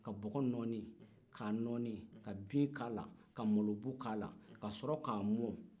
ka bɔgɔ nɔɔni k'a nɔɔni ka bin k'a la ka malobu k'a la ka sɔrɔ k'a mɔ